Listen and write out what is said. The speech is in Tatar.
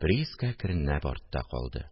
Прииска әкренләп артта калды